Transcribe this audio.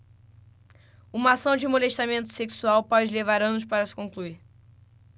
uma ação de molestamento sexual pode levar anos para se concluir